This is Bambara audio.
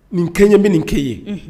Nin kɛ ɲɛ bɛ nin kɛi ye